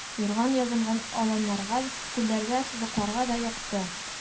Юрган ябынган аланнарга, күлләргә, сазлыкларга да йокты